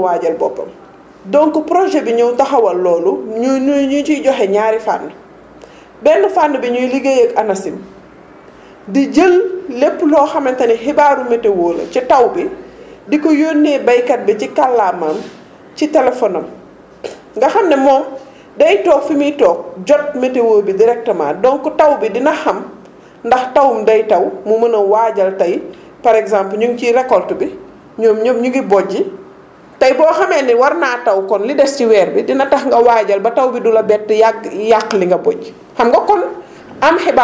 donc projet bi ñëw taxawal loolu ñu ñu ñu ciy joxe ñaari fànn benn fànn bi ñuy liggéeyeeg ANACIM di jël lépp loo xamante ne xibaaru météo la ci taw bi di ko yónnee béykat bi ci kallaamam ci téléphone am nga xam ne moom day toog fi muy toog jot météo bi directement donc taw bi dina xalm ndax tawu day taw mu mën a waajal tey par exemple ñu ngi ci récolte bi ñu ñu ñu ngi bojji tey boo xamee ne war naa taw kon li des ci weer bi dina tax nga waajal ba taw bi du la bett yàgg yàq li nga bojj xam nga kon am xibaar boobu am na solo